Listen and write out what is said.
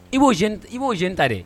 I b'o jeune t i b'o jeune ta dɛ